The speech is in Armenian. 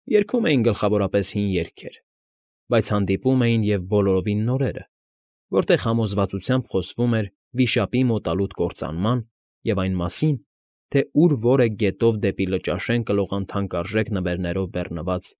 Երգում էին գլխավորապես հին երգեր, բայց հանդիպում էին և բոլորովին նորերը, որտեղ համոզվածությամբ խոսվում էր վիշապի մոտալուտ կործանման և այն մասին, թե ուր որ է գետով դեպի Լճաշեն կլողան թանկարժեք նվերներով բեռնված։